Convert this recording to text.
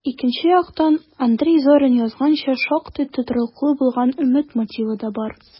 Икенче яктан, Андрей Зорин язганча, шактый тотрыклы булган өмет мотивы да бар: